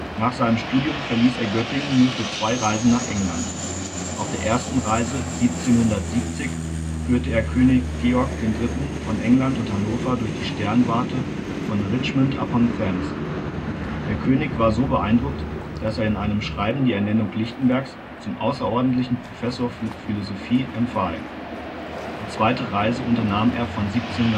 Nach seinem Studium verließ er Göttingen nur für zwei Reisen nach England. Auf der ersten Reise 1770 führte er König Georg III. von England und Hannover durch die Sternwarte von Richmond upon Thames. Der König war so beeindruckt, dass er in einem Schreiben die Ernennung Lichtenbergs zum außerordentlichen Professor für Philosophie empfahl. Die zweite Reise unternahm er von 1774